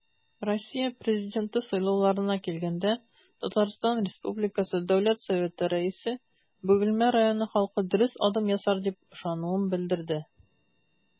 Россия Президенты сайлауларына килгәндә, ТР Дәүләт Советы Рәисе Бөгелмә районы халкы дөрес адым ясар дип ышануын белдерде.